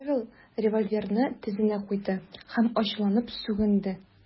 Павел револьверны тезенә куйды һәм ачуланып сүгенде .